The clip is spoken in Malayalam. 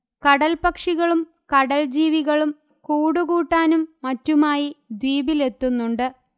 കടൽപ്പക്ഷികളും കടൽ ജീവികളും കൂടുകൂട്ടാനും മറ്റുമായി ദ്വീപിലെത്തുന്നുണ്ട്